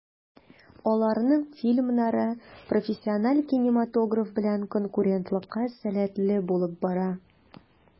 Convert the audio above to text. Аларның фильмнары профессиональ кинематограф белән конкурентлыкка сәләтле булып бара.